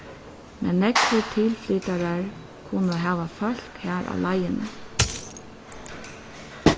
men nógvir tilflytarar kunna hava fólk har á leiðini